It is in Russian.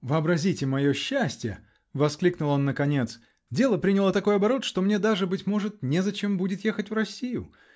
-- Вообразите мое счастье, -- воскликнул он наконец, -- дело приняло такой оборот, что мне даже, быть может, незачем будет ехать в Россию!